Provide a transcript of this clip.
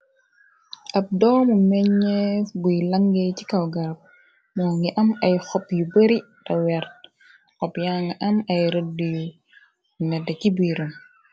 Ab doomu meñeef guy langee ci kaw garab moo ngi am ay xop yu bari te weert xob ya ngi am ay rëdd yu nedt ci biirum.